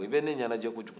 i bɛ ne ɲɛnajɛ kojugu